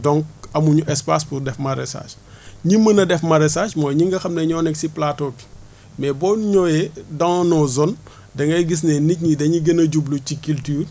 donc amu ñu espace pour def maraîchage ñi mën a def maraîchage mooy ñi nga xam ne ñoo nekk si plateau bi mais boo ñëwee dans nos zones da ngay gis ne nit ñi dañuy gën a jublu ci culture